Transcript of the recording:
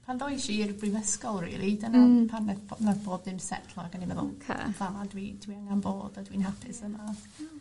pan ddoish i i'r brifysgol rili dyna... Hmm. ...pan naeth po- nath bob dim setlo ac o'n i feddwl... Oce. ..fama dwi dwi am bod a dwi'n hapus yma. Hmm.